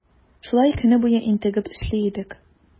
Шулай көне буе интегеп эшли идек.